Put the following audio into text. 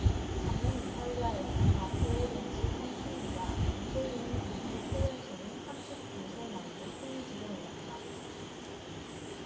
작년 이탈리아에선 마테오 렌치 현 총리가 무솔리니 이후 최연소인 삼십 구 세 나이로 총리직에 올랐다